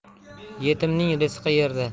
yetimning rizqi yerda